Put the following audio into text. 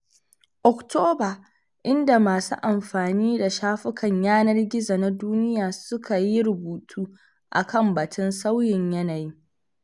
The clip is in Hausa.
Oktoba, inda masu amfani da shafukan yanar gizo na duniya suka yi rubutu a kan batun sauyin yanayi.